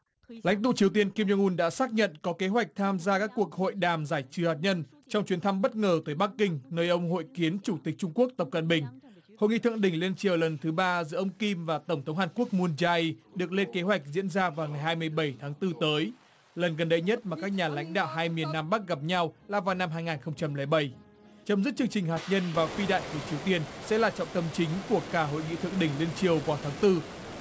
lãnh tụ triều tiên kim jong ưn đã xác nhận có kế hoạch tham gia các cuộc hội đàm giải trừ hạt nhân trong chuyến thăm bất ngờ tới bắc kinh nơi ông hội kiến chủ tịch trung quốc tập cận bình hội nghị thượng đỉnh liên triều lần thứ ba giữa ông kim và tổng thống hàn quốc mun dai được lên kế hoạch diễn ra vào ngày hai mươi bảy tháng tư tới lần gần đây nhất mà các nhà lãnh đạo hai miền nam bắc gặp nhau là vào năm hai ngàn không trăm lẻ bảy chấm dứt chương trình hạt nhân và phi đạn của triều tiên sẽ là trọng tâm chính của cả hội nghị thượng đỉnh liên triều vào tháng tư